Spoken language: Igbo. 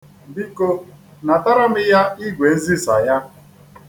Biko natara m ya igwenzisa ya.